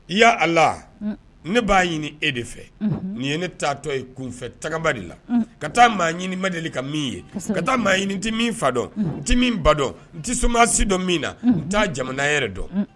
Yaa Ala; Un; Ne b'a ɲini e de fɛ; Unhun; Ni ye ne taatɔ ye kunfɛ tagama de la; Un; Ka taa maa ɲini ma deli ka min ye; Kosɛbɛ; Ka taa maa ɲini n tɛ min fa dɔn, n tɛ min ba dɔn n tɛ somaa si dɔn min na; Unhun,N t'a jamana yɛrɛ dɔn; Un.